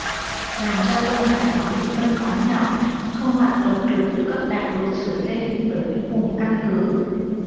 làm cho quân giải phóng bị phân tán nhỏ không hoạt động được từ cấp đại đội trở lên ở những vùng căn cứ